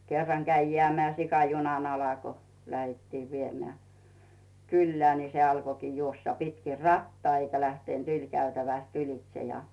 kerran kävi jäämään sika junan alle kun lähdettiin viemään kylään niin se alkoikin juosta pitkin rataa eikä lähtenyt ylikäytävästä ylitse ja